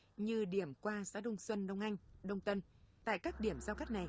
như điểm qua xã đông xuân đồng anh đồng tân tại các điểm giao cắt này